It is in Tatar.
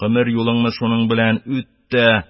Гомер юлыңны шуның белән үттең,